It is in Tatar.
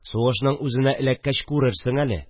Сугышның үзенә эләккәч күрерсең әле